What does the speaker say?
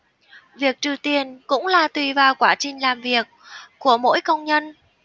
việc trừ tiền cũng là tùy vào quá trình làm việc của mỗi công nhân